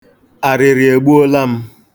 Arịrị egbuola m.